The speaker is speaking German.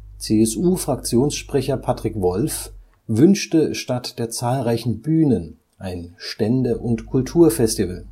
CSU-Fraktionssprecher Patric Wolf wünschte statt der zahlreichen Bühnen ein Stände - und Kulturfestival